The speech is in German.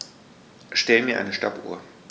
Stell mir eine Stoppuhr.